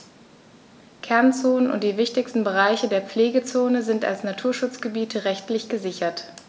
Kernzonen und die wichtigsten Bereiche der Pflegezone sind als Naturschutzgebiete rechtlich gesichert.